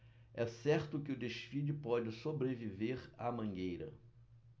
é certo que o desfile pode sobreviver à mangueira